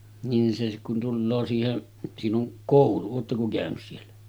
niin se kun tulee siihen siinä on koulu oletteko käynyt siellä